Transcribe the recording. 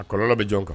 A kɔlɔlɔ bɛ jɔn kan ?